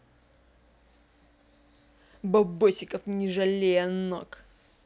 бабосиков не жалея ног